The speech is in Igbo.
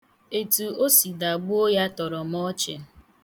Etu o si dagbuo ya tọrọ m ọchị.